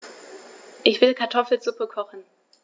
Ich will Kartoffelsuppe kochen.